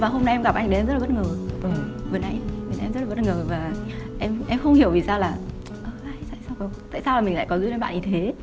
và hôm nay em gặp anh đến rất là bất ngờ vừa nãy vừa nãy em rất là bất ngờ và em em không hiểu vì sao là tại sao mình lại có duyên với bạn ấy thế